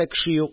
Кеше юк